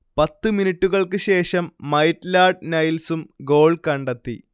പത്ത് മിനുട്ടുകൾക്ക് ശേഷം മൈറ്റ്ലാഡ് നൈൽസും ഗോൾ കണ്ടെത്തി